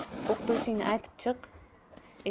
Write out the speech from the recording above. o'qituvchingni aytib chiq